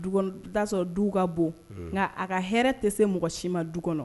du kɔn i bɛ ta'a sɔrɔ duw ka bon nka a ka hɛrɛ tɛ se mɔgɔ si ma du kɔnɔ